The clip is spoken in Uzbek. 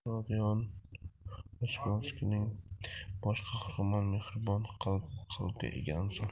rodion raskolnikov bosh qahramon mehribon qalbga ega inson